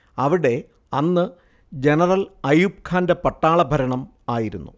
അവിടെ അന്ന് ജനറൽ അയൂബ്ഖാന്റെ പട്ടാളഭരണം ആയിരുന്നു